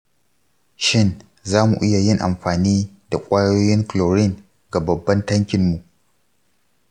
shin za mu iya yin amfani da ƙwayoyin chlorine ga babban tankin mu?